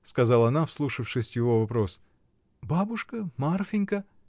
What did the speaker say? — сказала она, вслушавшись в его вопрос. — Бабушка, Марфинька.